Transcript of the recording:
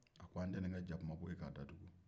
a ko an tɛ nin kɛ jakuma bo ye k'a datugun